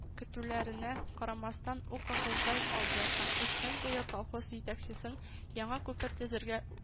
Көтүләренә карамастан, ул колхозда калды һәм өч көн буе колхоз җитәкчесен яңа күпер төзергә